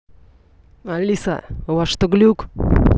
алиса у вас что глюк